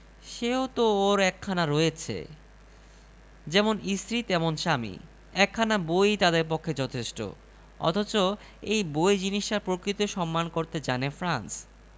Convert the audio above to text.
পণ্ডিত লিখেছেন ধনীরা বলে পয়সা কামানো দুনিয়াতে সবচেয়ে কঠিন কর্ম কিন্তু জ্ঞানীরা বলেন না জ্ঞানার্জন সবচেয়ে শক্ত কাজ এখন প্রশ্ন